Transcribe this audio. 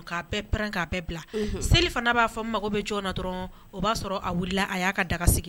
Ka bɛɛɛ k'a bɛɛ bila seli fana b'a fɔ mago bɛ jɔ na dɔrɔn o b'a sɔrɔ a wulila a y'a ka daga sigi